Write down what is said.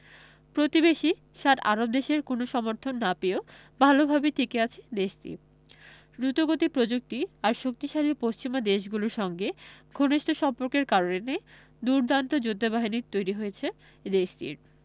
প্রতিবেশী সাত আরব দেশের কোনো সমর্থন না পেয়েও ভালোভাবেই টিকে আছে দেশটি দ্রুতগতির প্রযুক্তি আর শক্তিশালী পশ্চিমা দেশগুলোর সঙ্গে ঘনিষ্ঠ সম্পর্কের কারণে দুর্দান্ত যোদ্ধাবাহিনী তৈরি হয়েছে দেশটির